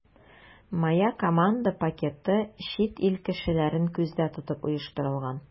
“моя команда” пакеты чит ил кешеләрен күздә тотып оештырылган.